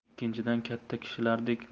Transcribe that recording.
ikkinchidan katta kishilardek